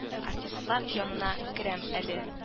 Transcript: — артистлар янына керәм әле